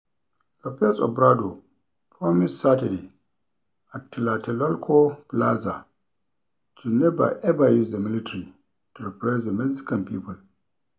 Lopez Obrador promised Saturday at Tlatelolco Plaza to "never ever use the military to repress the Mexican people."